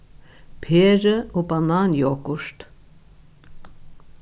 peru og banan jogurt